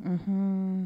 Hɔn